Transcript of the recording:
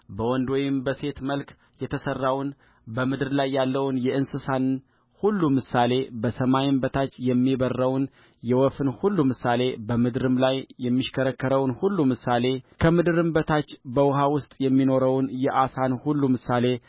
በወንድ ወይም በሴት መልክ የተሠራውንበምድር ላይ ያለውን የእንስሳን ሁሉ ምሳሌ በሰማይም በታች የሚበርረውን የወፍን ሁሉ ምሳሌበምድርም ላይ የሚሽከረከረውን ሁሉ ምሳሌ ከምድርም በታች በውኃ ውስጥ የሚኖረውን የዓሣን ሁሉ ምሳሌ